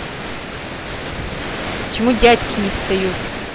почему дядьки не встает